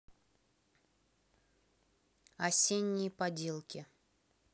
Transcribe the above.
осенние поделки